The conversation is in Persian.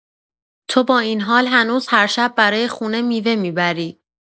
تو با این حال هنوز هر شب برای خونه میوه می‌بری.